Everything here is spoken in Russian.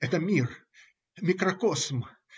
- Это мир, микрокосм.